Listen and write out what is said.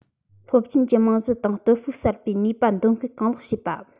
སློབ ཆེན གྱི རྨང གཞི དང སྟོབས ཤུགས གསར པའི ནུས པ འདོན སྤེལ གང ལེགས བྱེད པ